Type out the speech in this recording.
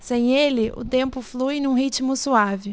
sem ele o tempo flui num ritmo suave